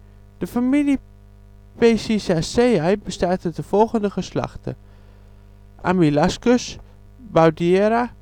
familie Pezizaceae bestaat uit de volgende geslachten: Amylascus, Boudiera